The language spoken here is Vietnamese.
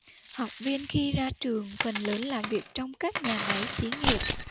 học viên khi ra trường phần lớn làm việc trong các nhà máy xí nghiệp